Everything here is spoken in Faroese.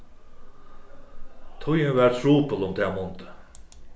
tíðin var trupul um tað mundið